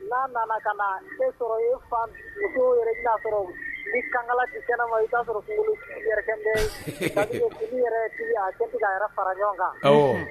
N'a nana ka na sɔrɔ fa ni kɛnɛ i'a fara ɲɔgɔn kan